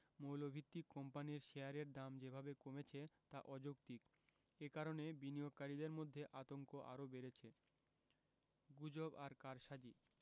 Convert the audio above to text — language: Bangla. মৌলভিত্তির কোম্পানির শেয়ারের দাম যেভাবে কমেছে তা অযৌক্তিক এ কারণে বিনিয়োগকারীদের মধ্যে আতঙ্ক আরও বেড়েছে গুজব আর কারসাজি